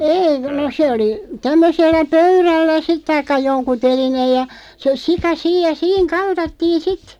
ei no se oli tämmöisellä pöydällä sitten tai jonkun telineen ja se sika siinä ja siinä kaltattiin sitten